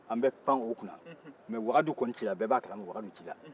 an bɛ pan o kunna wagadu kɔni cira bɛɛ b'a kalama wagadu cira